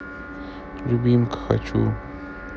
любимка хочу